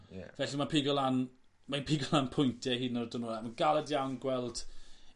Ie. Felly ma'n pigo lan mae'n pigo lan pwyntie hyd yn o'd ma'n galed iawn gweld